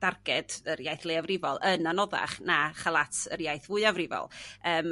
darged yr iaith leafrifol yn anoddach na cha'l at yr iaith fwyafrifol yym